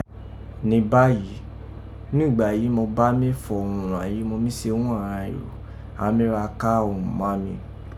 Ní báyìí, nùgbà yìí mo bá mí fọ̀ urun yìí mó mí se ghún àghan èrò, án mi ra ka họ́n má mi.